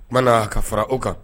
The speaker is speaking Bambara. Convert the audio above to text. Mana ka fara o kan